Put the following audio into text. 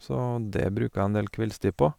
Så det bruker jeg en del kveldstid på.